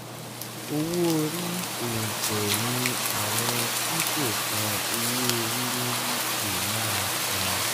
Owó orí olńtẹ̀ ní àwọn tí kò san owó orí ní Uk máa san